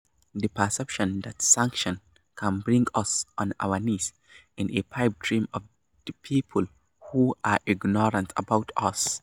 "The perception that sanctions can bring us on our knees is a pipe dream of the people who are ignorant about us.